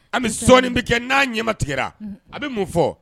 An bɛ sɔɔni bɛ kɛ n'a ɲɛma tigɛ a bɛ mun fɔ